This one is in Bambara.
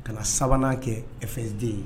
Ka na sabanan kɛ ɛfden ye